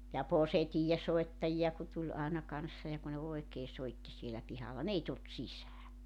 ja posetiivinsoittajia kun tuli aina kanssa ja kun ne oikein soitti siellä pihalla ne ei tullut sisään